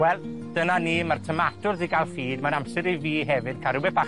Wel, dyna ni. Ma'r tomatos 'di ga'l feed, ma'n amser i fi hefyd ca' rwbeth bach